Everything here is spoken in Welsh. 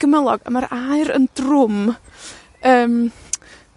gymylog, a ma'r aer yn drwm, yym,